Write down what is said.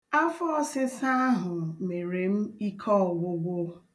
Afọọsịsa ahụ mere m ike ọgwụgwụ